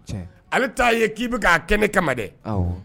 Ale bɛ taa ye k'i bɛ k' kɛnɛ ne kama dɛ